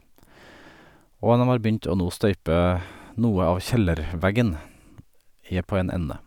Og dem har begynt å nå støype noe av kjellerveggen i på en ende.